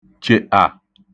chè'à